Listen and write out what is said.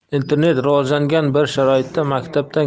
internet rivojlangan bir sharoitda maktabdan